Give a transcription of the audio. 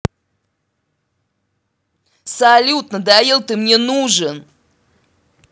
салют надоел ты мне нужен